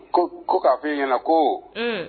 Ko ko k'a fɔ' i ɲɛna ko